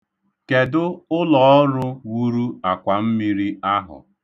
Kedụ ụlọọrụ wuru akwammiri ahụ?